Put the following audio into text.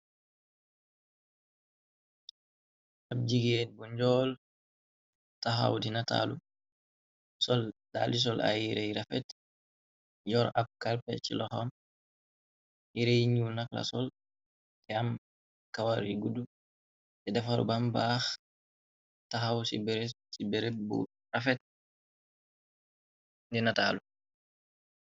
Ab jigeen bu njol taxaw di nitalu sol dalli sol ay yirèh yu rafet yor ab kalpèh ci loxom yirèh yu ñuul nak la sol te am kawarr yu guddu te defarr bam baax taxaw ci barabi ci barab bu rafet di nitalu.